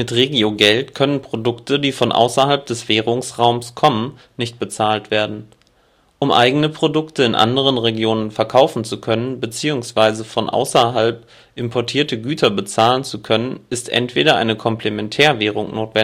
Regiogeld können Produkte, die von außerhalb des Währungsraums kommen, nicht bezahlt werden. Um eigene Produkte in anderen Regionen verkaufen zu können bzw. um von außerhalb importierte Güter bezahlen zu können, ist entweder eine Komplementärwährung notwendig